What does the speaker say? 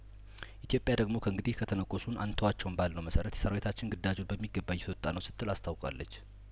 ኢትዮጵያ ደግሞ ከእንግዲህ ከተነኮሱን አንተዋቸውም ባል ነው መሰረት ሰራዊታችን ግዳጁን በሚገባ እየተወጣ ነው ስትል አስታውቃለች